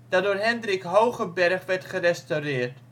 dat door Hendrik Hoogenberg werd gerestaureerd